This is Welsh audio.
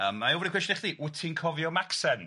Yym nai ofyn y cwestiwn i ti, wyt ti'n cofio Macsen?